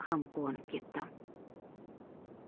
ham quvonib ketdim